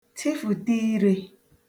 tịfụ̀ta irē